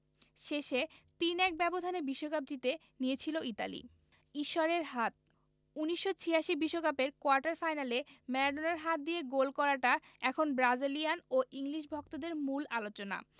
শেষে ৩ ১ ব্যবধানে বিশ্বকাপ জিতে নিয়েছিল ইতালি ঈশ্বরের হাত ১৯৮৬ বিশ্বকাপের কোয়ার্টার ফাইনালে ম্যারাডোনার হাত দিয়ে গোল করাটা এখনো ব্রাজিলিয়ান ও ইংলিশ ভক্তদের মূল আলোচনা